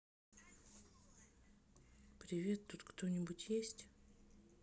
привет тут кто нибудь есть